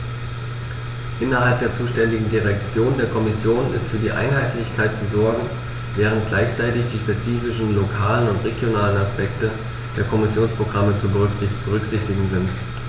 Innerhalb der zuständigen Direktion der Kommission ist für Einheitlichkeit zu sorgen, während gleichzeitig die spezifischen lokalen und regionalen Aspekte der Kommissionsprogramme zu berücksichtigen sind.